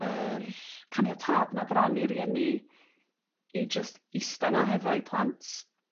yr caniatâd 'na bron i rieni i jyst ista 'na hefo'u plant